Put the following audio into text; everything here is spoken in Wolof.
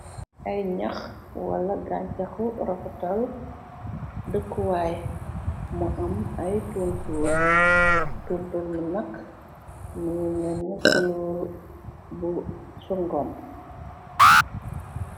Ay ñax wala gancaxu rafatal dëkkuwaay mu am ay rtuntuur bi nakk miñu nenn kuluur bu sungom.